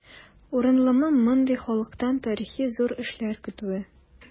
Урынлымы мондый халыктан тарихи зур эшләр көтүе?